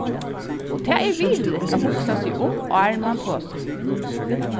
og tað er virðiligt at hugsa seg um áðrenn mann tosar